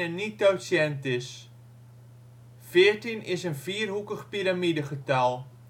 niettotiënt is. Veertien is een vierhoekig piramidegetal